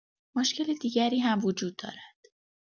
مشکل دیگری هم وجود دارد.